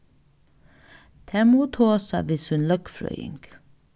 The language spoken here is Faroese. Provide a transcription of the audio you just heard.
tær mugu tosa við sín løgfrøðing